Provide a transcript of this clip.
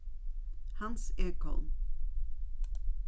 hans egholm